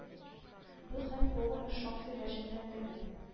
Бу хәл поварны шактый гаҗәпләндерде